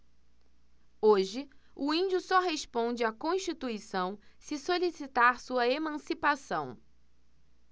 hoje o índio só responde à constituição se solicitar sua emancipação